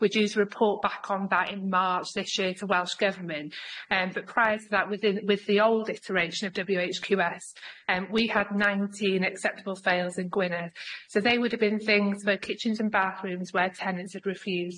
we're due to report back on that in March this year to Welsh Government and but prior to that with in with the old iteration of W H Q S erm we had nineteen acceptable fails in Gwynedd so they would have been things where kitchens and bathrooms where tenants had refused